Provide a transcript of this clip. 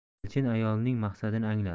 elchin ayolning maqsadini angladi